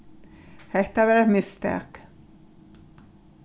hetta var eitt mistak